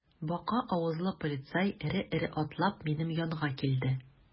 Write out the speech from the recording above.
Бака авызлы полицай эре-эре атлап минем янга килде.